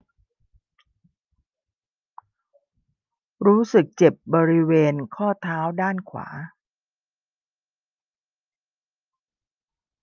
รู้สึกเจ็บบริเวณข้อเท้าด้านขวา